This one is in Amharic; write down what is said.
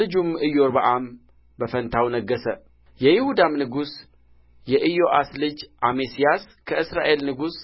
ልጁም ኢዮርብዓም በፋንታው ነገሠ የይሁዳም ንጉሥ የኢዮአስ ልጅ አሜስያስ ከእስራኤል ንጉሥ